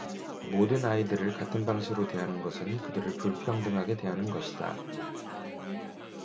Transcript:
모든 아이들을 같은 방식으로 대하는 것은 그들을 불평등하게 대하는 것이다